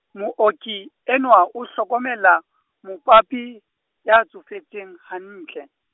mooki enwa, o hlokomela mopapi, ya tsofetseng hantle.